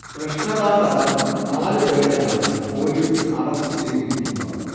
കൃഷ്ണദാസടക്കം നാല് പേരെയാണ് police arrest ചെയ്തിരിക്കുന്നത്